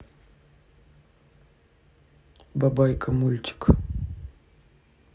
бабайка мультик